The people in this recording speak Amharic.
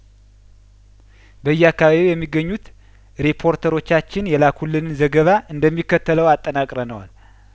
በየአካባቢው የሚገኙት ሪፖርተሮቻችን የላኩልንን ዘገባ እንደሚከተለው አጠናቅረነዋል